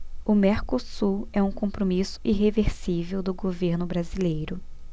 o mercosul é um compromisso irreversível do governo brasileiro